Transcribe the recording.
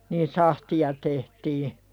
niin sahtia tehtiin